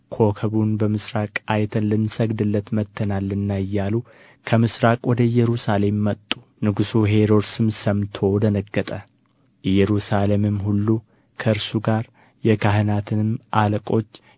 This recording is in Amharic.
ኮከቡን በምሥራቅ አይተን ልንሰግድለት መጥተናልና እያሉ ከምሥራቅ ወደ ኢየሩሳሌም መጡ ንጉሡ ሄሮድስም ሰምቶ ደነገጠ ኢየሩሳሌምም ሁሉ ከእርሱ ጋር የካህናትንም አለቆች